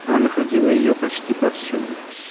Она находила ее почти повсюду.